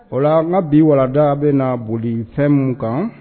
O la an ka bi wala a bɛna na boli fɛn min kan